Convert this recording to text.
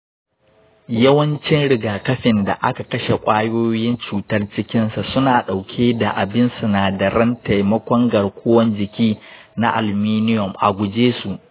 yawancin rigakafin da aka kashe ƙwayoyin cutar cikinsa suna ɗauke da abin sinadaran taimakon garkuwar jiki na alminiyom. a guje su